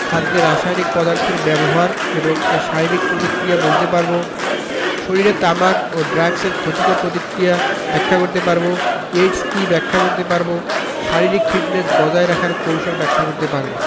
খাদ্যে রাসায়নিক পদার্থের ব্যবহার এবং এর শারীরিক প্রতিক্রিয়া বলতে পারব শরীরে তামাক ও ড্রাগসের ক্ষতিকর প্রতিক্রিয়া ব্যাখ্যা করতে পারব এইডস কী ব্যাখ্যা করতে পারব শারীরিক ফিটনেস বজায় রাখার কৌশল ব্যাখ্যা করতে পারব